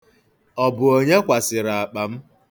Ọ bụ onye kwasịrị akpa m?